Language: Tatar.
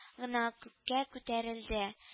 Гына күккә күтәрелде